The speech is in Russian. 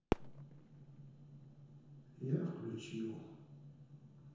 я включил